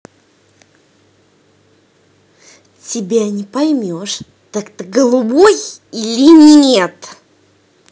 тебя не поймешь так ты голубой или нет